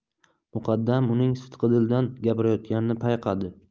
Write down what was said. muqaddam uning sidqidildan gapirayotganini payqadi